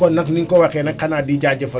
kon nag niñ ko waxee nag xanaa di jaajëfal